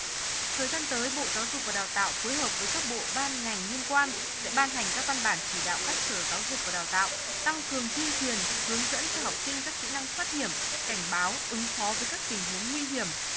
thời gian tới bộ giáo dục và đào tạo phối hợp với các bộ ban ngành liên quan sẽ ban hành các văn bản chỉ đạo các sở giáo dục và đào tạo tăng cường tuyên truyền hướng dẫn cho học sinh các kỹ năng thoát hiểm cảnh báo ứng phó với các tình huống nguy hiểm